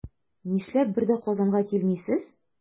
Нишләп бер дә Казанга килмисез?